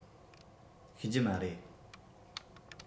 ཤེས རྒྱུ མ རེད